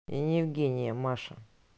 я не евгений я маша